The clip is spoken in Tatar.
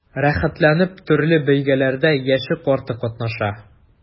Рәхәтләнеп төрле бәйгеләрдә яше-карты катнаша.